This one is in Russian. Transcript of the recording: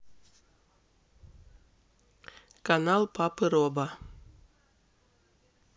канал папы роба